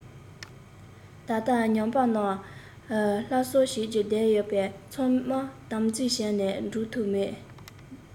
ད ལྟ ཉམས པ རྣམས སླར གསོ བྱེད རྒྱུར བསྡད ཡོད པས ཚང མ དམ འཛིན བྱས ན འགྲུ ཐབས མེད